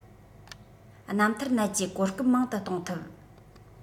རྣམ ཐར ནད ཀྱི གོ སྐབས མང དུ གཏོང ཐུབ